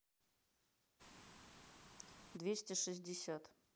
двести шестьдесят